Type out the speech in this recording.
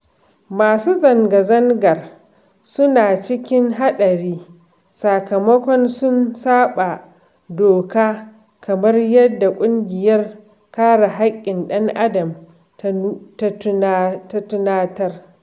Masu zanga-zangar su na cikin haɗari sakamakon sun saɓawa doka, kamar yadda ƙungiyar Kare Haƙƙin ɗan adam ta tunatar.